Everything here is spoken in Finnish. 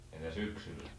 entä syksyllä